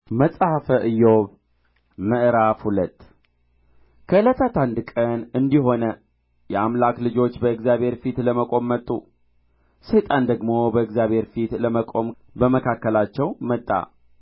መጽሐፈ ኢዮብ ምዕራፍ ሁለት ከዕለታት አንድ ቀን እንዲህ ሆነ የአምላክ ልጆች በእግዚአብሔር ፊት ለመቆም መጡ ሰይጣን ደግሞ በእግዚአብሔር ፊት ለመቆም በመካከላቸው መጣ